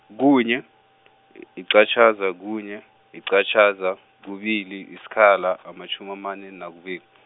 kunye, liqatjhazi, kunye, liqatjhaza, kubili yisikhala amatjhumi amane nakubili.